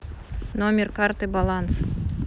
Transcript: номер карты баланс